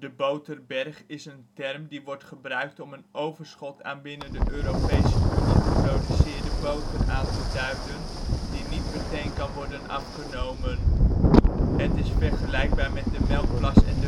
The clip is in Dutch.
boterberg is een term die wordt gebruikt om een overschot aan binnen de Europese Unie geproduceerde boter aan te duiden, die niet meteen kan worden afgenomen. Het is vergelijkbaar met de melkplas en